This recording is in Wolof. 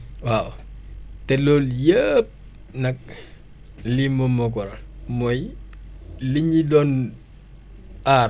waaw te loolu yëpp nag lii moom moo ko waral mooy li ñu doon aar